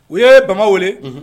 U ye bama wele